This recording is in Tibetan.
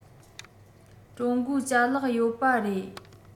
ཀྲུང གོའི ལྕ ལག ཡོད པ རེད